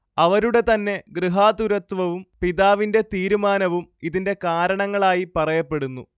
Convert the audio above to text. അവരുടെ തന്നെ ഗൃഹാതുരത്വവും പിതാവിന്റെ തീരുമാനവും ഇതിന്റെ കാരണങ്ങളായി പറയപ്പെടുന്നു